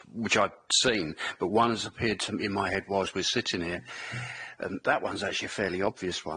which I've seen, but one has appeared to me in my head whilst we're sitting here, and that one's actually a fairly obvious one.